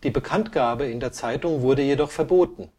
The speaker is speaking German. Bekanntgabe in der Zeitung wurde jedoch verboten